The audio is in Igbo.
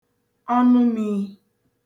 ọnụ mii